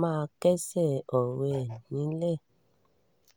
máa kẹ́sẹ̀ ọ̀rọ̀ ẹ̀ nílẹ̀